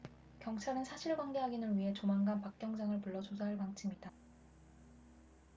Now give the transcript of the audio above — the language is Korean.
경찰은 사실관계 확인을 위해 조만간 박 경장을 불러 조사할 방침이다